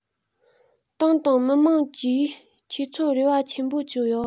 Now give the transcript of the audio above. ཏང དང མི དམངས ཀྱིས ཁྱེད ཚོར རེ བ ཆེན པོ བཅོལ ཡོད